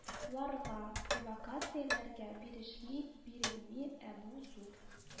Ларга, провокацияләргә бирешми, бирелми, ә бу зур